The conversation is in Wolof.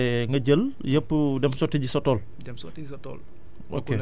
léegi loolu soo ko defee ba pare après nga jël yëpp dem sotti ji sa tool